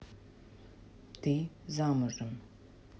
ты замужем